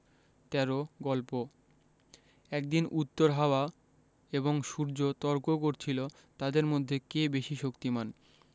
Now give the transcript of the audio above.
১৩ গল্প একদিন উত্তর হাওয়া এবং সূর্য তর্ক করছিল তাদের মধ্যে কে বেশি শক্তিমান